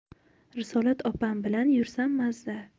risolat opam bilan yursam mazza